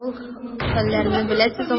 Авыл хәлләрен беләсез алайса?